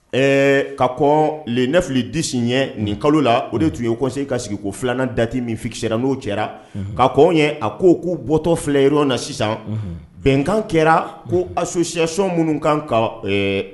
Ɛɛ ka kɔn le 9, le 10 ɲɛ nin kalo la, o de tun ye Haut conseil ka sigi ko 2 f nan date min fixée n'o cɛla, ka kɔn o ɲɛ, a ko k'u bɔtɔ filɛ reunio na sisan bɛnkan kɛra ko associations minnu kan ka ɛɛɛ